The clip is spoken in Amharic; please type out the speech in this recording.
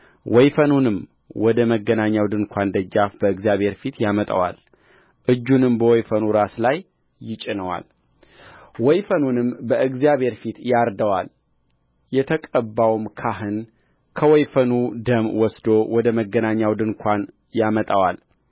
ወይፈኑንም ወደ መገናኛው ድንኳን ደጃፍ በእግዚአብሔር ፊት ያመጣዋል እጁንም በወይፈኑ ራስ ላይ ይጭነዋል ወይፈኑንም በእግዚአብሔር ፊት ያርደዋል የተቀባውም ካህን ከወይፈኑ ደም ወስዶ ወደ መገናኛው ድንኳን ያመጣዋል